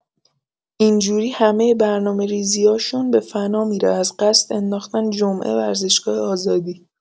اینجوری همه برنامه ریزیاشون به فنامیره ازقصد انداختن جمعه ورزشگاه آزادی